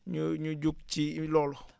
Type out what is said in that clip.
ñu ñu jug ci loolu